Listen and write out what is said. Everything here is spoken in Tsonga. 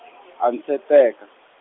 a ni se teka.